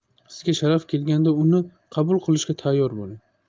sizga sharaf kelganda uni qabul qilishga tayyor bo'ling